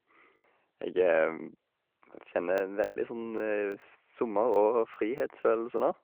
Jeg kjenner veldig sånn sf sommer- og frihetsfølelse nå.